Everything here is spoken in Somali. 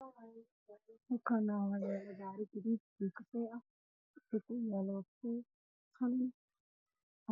Meeshaan waxaa taagan gaari guduuda oo kafee ah waxaana saaran hal